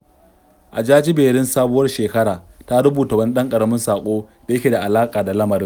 A jajiberin sabuwar shekara, ta rubuta wani ɗan ƙaramin saƙo da yake da alaƙa da lamarin.